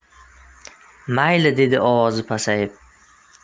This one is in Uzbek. mayli dedi ovozi pasayib